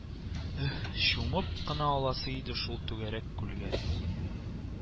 Өһ, чумып кына аласы иде шул түгәрәк күлгә